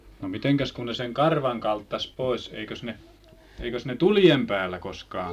no mitenkäs kun ne sen karvan kalttasi pois eikös ne eikös ne tulien päällä koskaan käyttänyt